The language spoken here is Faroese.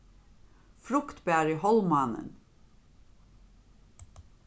fruktbari hálvmánin